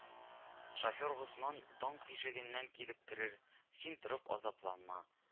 Шофер Госман таң тишегеннән килеп керер, син торып азапланма